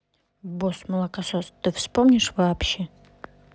босс молокосос ты вспомнишь вообще